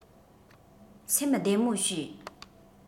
སེམས བདེ མོ བྱོས